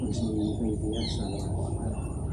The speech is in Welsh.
ond ni feuddies alw allan.